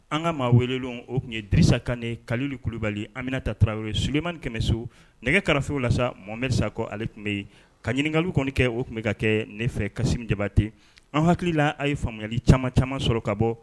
An ka maa wele don o tun ye sakan kalibali anmina ta tarawele s subimani kɛmɛ so nɛgɛkarafew la mɔnmerisa kɔ ale tun bɛ yen ka ɲininkakalu kɔni kɛ o tun bɛ ka kɛ nefɛ kasi debate an hakilila a ye faamuyayali caman caman sɔrɔ ka bɔ